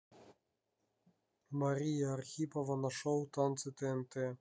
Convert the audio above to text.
мария архипова на шоу танцы тнт